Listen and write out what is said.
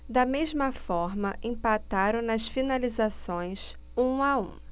da mesma forma empataram nas finalizações um a um